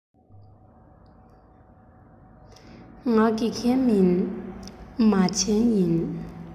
ང དགེ རྒན མིན མ བྱན ཡིན